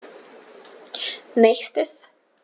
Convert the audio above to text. Nächstes.